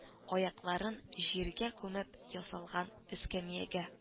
Аякларын җиргә күмеп ясалган эскәмиягә